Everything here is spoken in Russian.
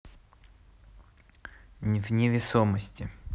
в невесомости